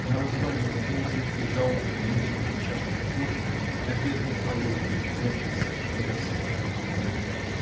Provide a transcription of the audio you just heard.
на развалинах ползает и жалобно мяучит одичалая кошка, да беглый колодник прячется под осевшей кровлей.